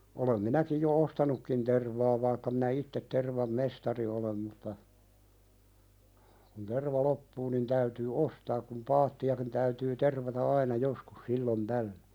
olen minäkin jo ostanutkin tervaa vaikka minä itse tervan mestari olen mutta kun terva loppuu niin täytyy ostaa kun paattiakin täytyy tervata aina joskus silloin tällöin